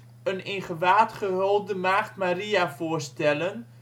gewaad gehulde maagd Maria voorstellen